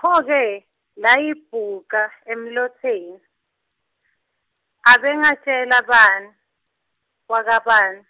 Pho-ke layibhuca emlotseni, abengatjela bani wakabani